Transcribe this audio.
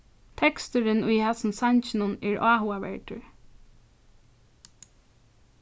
teksturin í hasum sanginum er áhugaverdur